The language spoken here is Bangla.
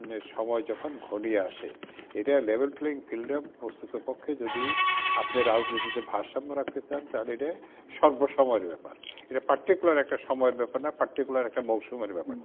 সময় যখন ঘনিয়ে আসে এটা লেভেল প্লেইং ফিল্ড অফ বস্তুতপক্ষে যদি আপনি রাজনীতিতে ভারসাম্য রাখতে চান তাহলে এটা সর্ব সময়ের দরকার এটা পার্টিকুলার একটা সময়ের ব্যাপার না পার্টিকুলার একটা মৌসুমের ব্যাপার না